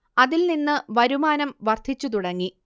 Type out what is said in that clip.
അതിൽ നിന്ന് വരുമാനം വർദ്ധിച്ചു തുടങ്ങി